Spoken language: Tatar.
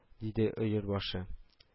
— диде өер башы